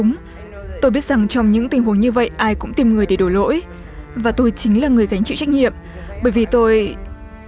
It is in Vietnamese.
đúng tôi biết rằng trong những tình huống như vậy ai cũng tìm người để đổ lỗi và tôi chính là người gánh chịu trách nhiệm bởi vì tôi